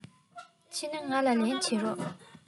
ཕྱིན ན ང ལ ལན བྱིན རོགས